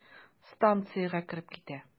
Станциягә кереп китә.